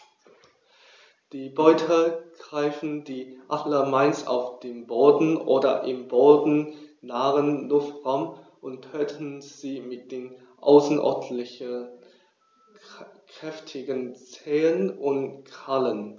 Die Beute greifen die Adler meist auf dem Boden oder im bodennahen Luftraum und töten sie mit den außerordentlich kräftigen Zehen und Krallen.